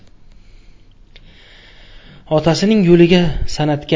otasining yo'liga san'atgami